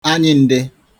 anyị̀nde